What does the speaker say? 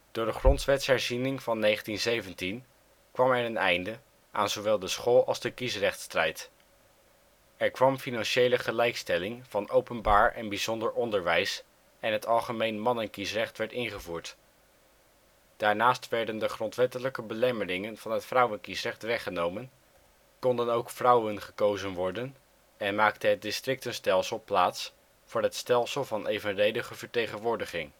Door de Grondwetsherziening van 1917 kwam er een einde aan zowel de school - als de kiesrechtstrijd. Er kwam financiële gelijkstelling van openbaar en bijzonder onderwijs en het algemeen mannenkiesrecht werd ingevoerd. Daarnaast werden de grondwettelijke belemmeringen van het vrouwenkiesrecht weggenomen, konden ook vrouwen gekozen worden, en maakte het districtenstelsel plaats voor het stelsel van evenredige vertegenwoordiging